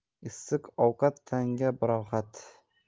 issiq ovqat tanga rohat